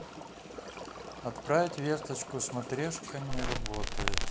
отправить весточку смотрешка не работает